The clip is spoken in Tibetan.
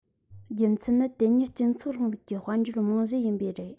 རྒྱུ མཚན ནི དེ ཉིད སྤྱི ཚོགས རིང ལུགས ཀྱི དཔལ འབྱོར རྨང གཞི ཡིན པས རེད